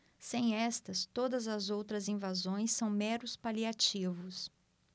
sem estas todas as outras invasões são meros paliativos